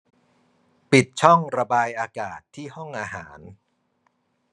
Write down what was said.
ปิดช่องระบายอากาศที่ห้องอาหาร